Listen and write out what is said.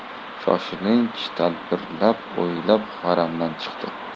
turdi yu shoshilinch tadbirlar o'ylab haramdan chiqdi